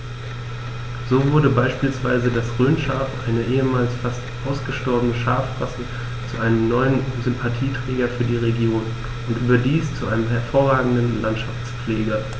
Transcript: So wurde beispielsweise das Rhönschaf, eine ehemals fast ausgestorbene Schafrasse, zu einem neuen Sympathieträger für die Region – und überdies zu einem hervorragenden Landschaftspfleger.